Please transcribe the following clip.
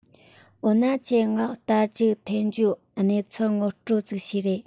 འོ ན ཁྱོས ངའ རྟ རྒྱུག འཐེན རྒྱུའོ གནས ཚུལ ངོ སྤྲོད ཟིག བྱོས རེས